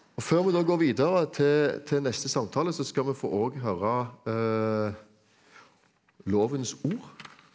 og før vi nå går videre til til neste samtale så skal vi få òg høre lovens ord.